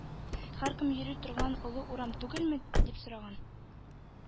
Һәркем йөри торган олы урам түгелме? — дип сораган.